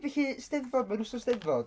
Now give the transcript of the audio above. Felly 'Steddfod. Mae'n wsnos 'Steddfod.